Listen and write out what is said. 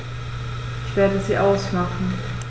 Ich werde sie ausmachen.